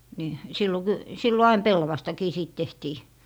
niin silloin - silloin aina pellavastakin siitä tehtiin